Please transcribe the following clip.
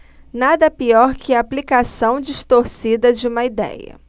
nada pior que a aplicação distorcida de uma idéia